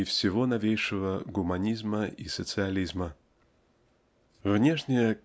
и всего новейшего гуманизма и социализма. Внешняя